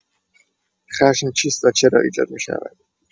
خشم چیست و چرا ایجاد می‌شود؟